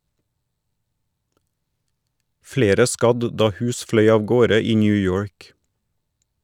Flere ble skadd da hus fløy av gårde i New York.